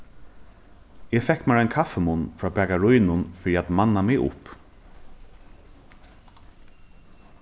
eg fekk mær ein kaffimunn frá bakarínum fyri at manna meg upp